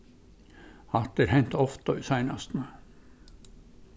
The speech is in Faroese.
hatta er hent ofta í seinastuni